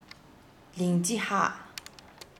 ལིང ཅི ཧྭ